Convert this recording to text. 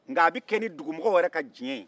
nka a bɛ kɛ ni fugumɔgɔ yɛrɛ ka jɛn ye